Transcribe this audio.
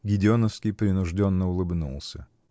Гедеоновский принужденно улыбнулся.